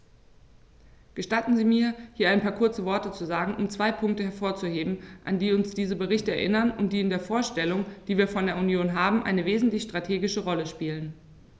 Gestatten Sie mir, hier ein paar kurze Worte zu sagen, um zwei Punkte hervorzuheben, an die uns diese Berichte erinnern und die in der Vorstellung, die wir von der Union haben, eine wesentliche strategische Rolle spielen.